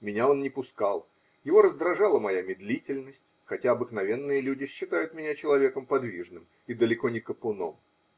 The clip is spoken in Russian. меня он не пускал -- его раздражала моя медлительность, хотя обыкновенные люди считают меня человеком подвижным и далеко не копуном.